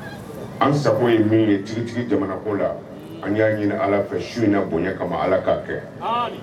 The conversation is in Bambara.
An sago ye min ye tigitigi jamana ko la an y'a ɲini Ala fɛ su in na bonya kama Ala kɛ. Aami!